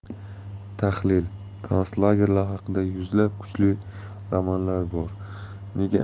tahlilkonslagerlar haqida yuzlab kuchli romanlar bor nega